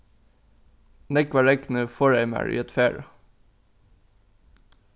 nógva regnið forðaði mær í at fara